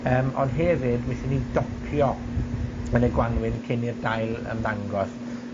Yym, ond hefyd well i ni docio yn y Gwanwyn cyn i'r dail ymddangos.